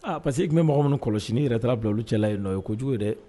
Aa parce que i tun bɛ mɔgɔ minnu kɔlɔsi n'i yɛrɛ taara bila olu cɛla yeninɔ, o ye kojugu ye dɛ!